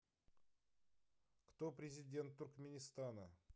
кто президент туркменистана